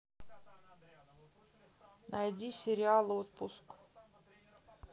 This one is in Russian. найди сериал отпуск